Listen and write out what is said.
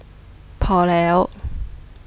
พอแล้ว